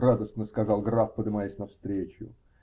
-- радостно сказал граф, подымаясь навстречу.